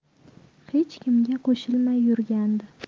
hech kimga qo'shilmay yurgandi